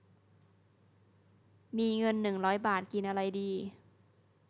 มีเงินหนึ่งร้อยบาทกินอะไรดี